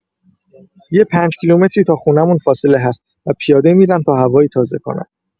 یه پنج‌کیلومتری تا خونه‌مون فاصله هست و پیاده می‌رم تا هوایی تازه کنم.